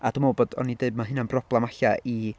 A dwi'n meddwl bod... o'n i'n deud, mae hynna'n broblem alle i...